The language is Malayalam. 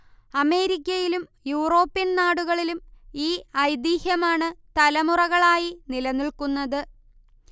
അമേരിക്കയിലും യൂറോപ്യൻ നാടുകളിലും ഈ ഐതിഹ്യമാണ് തലമുറകളായി നിലനിൽക്കുന്നത്